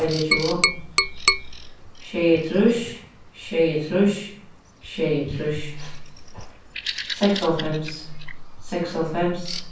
einogtjúgu sjeyogtrýss sjeyogtrýss sjeyogtrýss seksoghálvfems seksoghálvfems